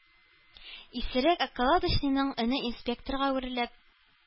Исерек околодочныйның өне инспекторга әверелеп: